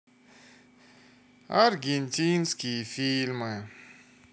аргентинские фильмы